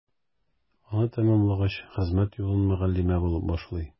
Аны тәмамлагач, хезмәт юлын мөгаллимә булып башлый.